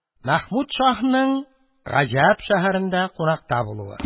Мәхмүд шаһның Гаҗәп шәһәрендә кунакта булуы